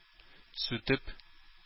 Сүтеп